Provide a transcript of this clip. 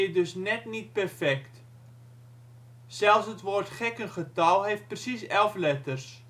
dus net niet perfect. Zelfs het woord gekkengetal heeft precies elf letters